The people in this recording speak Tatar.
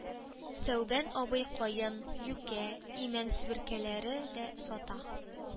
Сәүбән абый каен, юкә, имән себеркеләре дә сата.